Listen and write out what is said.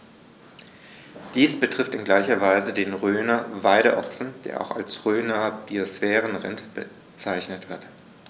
Dies betrifft in gleicher Weise den Rhöner Weideochsen, der auch als Rhöner Biosphärenrind bezeichnet wird.